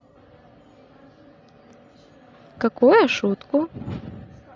какое шутку